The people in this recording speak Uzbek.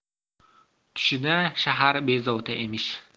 tushida shahar bezovta emish